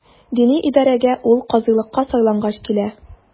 Дини идарәгә ул казыйлыкка сайлангач килә.